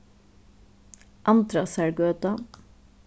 andrasargøta